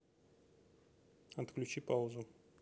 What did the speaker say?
отключи паузу